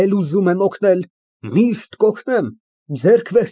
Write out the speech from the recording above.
Ես ուզում եմ իմ աչքով տեսնել այդ թղթերը և անձամբ հավաստիանալ։ ՄԱՐԳԱՐԻՏ ֊ (Խորհրդավոր և եռանդով)։